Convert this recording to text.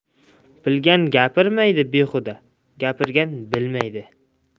bilgan gapirmaydi bexuda gapirgan bilmaydi